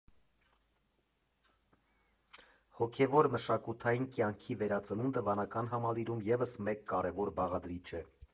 Հոգևոր֊մշակութային կյանքի վերածնունդը վանական համալիրում ևս մեկ կարևոր բաղադրիչ է։